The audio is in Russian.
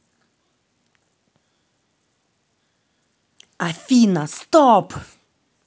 афина стоп